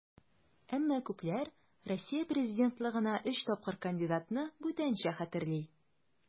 Әмма күпләр Россия президентлыгына өч тапкыр кандидатны бүтәнчә хәтерли.